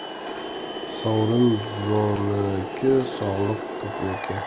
sovrin zo'miki sog'liq ko'pniki